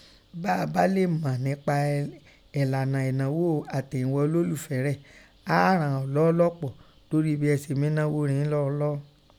Bá a bá lè mọ̀ nẹ́pa ẹ̀lana ẹ̀nagho àtèyingha ololufẹ rẹ, á á ràn ọ lọ́ọ́ lọ́pọ̀ lórí bi ẹ ṣe mí nagho rin ín lọ́ọ́lọ́ọ́.